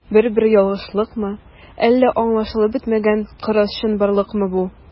Бер-бер ялгышлыкмы, әллә аңлашылып бетмәгән кырыс чынбарлыкмы бу?